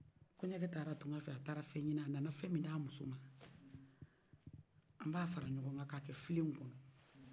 kɔɲɔkɛ taara tugan fɛ a taara fɛn ɲinin a nana fɛn min d'a muso ma a b'a fara ɲɔgɔn filen kɔnɔ